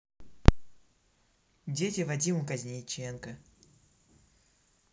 дети вадима казаченко